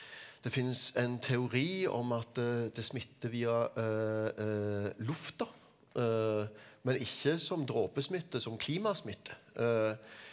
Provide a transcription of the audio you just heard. det finnes en teori om at det smitter via lufta men ikke som dråpesmitte som klimasmitte .